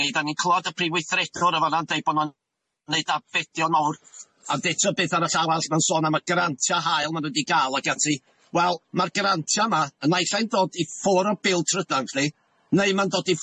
Da ni'n clywad y prif weithredwr yn fanna'n deud bo' nw'n neud arfedion mowr ond eto betham y llaw arall ma'n sôn am y grantia hael ma' nw di ga'l ac ati wel ma'r grantia 'ma y naill ai'n dod i ffwr o bil trydan ni neu ma'n dod i